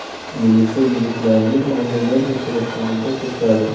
milisa yigitlarning oldidan o'tayotganida to'xtadi